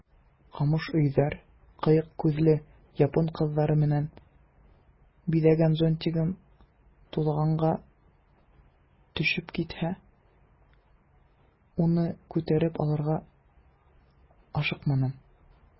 Камыш өйләр, кыек күзле япон кызлары белән бизәлгән зонтигым тузанга төшеп китсә, аны күтәреп алырга ашыкмадым.